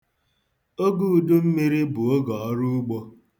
Oge udummiri bụ oge ọruugbo